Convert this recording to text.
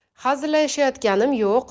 hazillashayotganim yo'q